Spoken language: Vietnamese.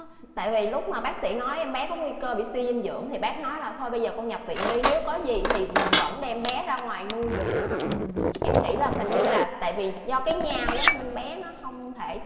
tại vì lúc mà bác sĩ nói em bé có nguy cơ bị suy dinh dưỡng thì bác nói là thôi bây giờ con nhập viện đi nếu có gì thì mình vẫn đem bé ra ngoài nuôi được ừ em nghĩ làm hình như là tại vì do cái nhau á nên bé nó không thể